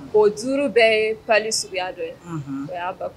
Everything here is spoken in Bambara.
O duuru bɛɛ ye pali suguya don o y'a ba